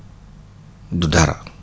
du dara